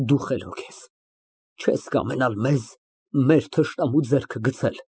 Դու խելոք ես, չես կամենալ մեզ մեր թշնամու ձեռքը գցել։